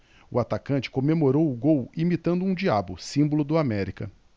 o atacante comemorou o gol imitando um diabo símbolo do américa